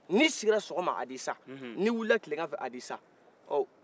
n'i sigira sɔgɔma hadisa nin wilila tileganfɛ hadisa